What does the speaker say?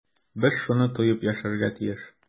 Без шуны тоеп яшәргә тиеш.